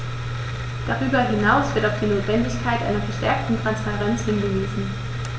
Darüber hinaus wird auf die Notwendigkeit einer verstärkten Transparenz hingewiesen.